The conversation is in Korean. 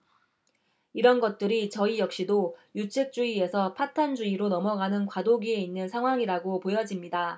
이런 것들이 저희 역시도 유책주의에서 파탄주의로 넘어가는 과도기에 있는 상황이라고 보여집니다